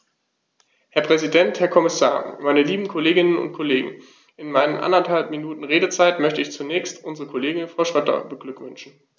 Herr Präsident, Herr Kommissar, meine lieben Kolleginnen und Kollegen, in meinen anderthalb Minuten Redezeit möchte ich zunächst unsere Kollegin Frau Schroedter beglückwünschen.